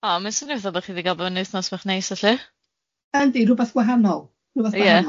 O ma'n swnio tha bo chi di cal benwthnos bach neis felly. Yndi rwbath gwahanol, rwbath gwahnol. Ia.